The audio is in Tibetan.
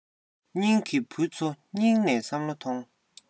སྙིང གི བུ ཚོ སྙིང ནས བསམ བློ མཐོང